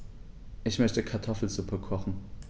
Ich möchte Kartoffelsuppe kochen.